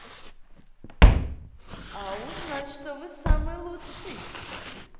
а узнать что вы самый лучший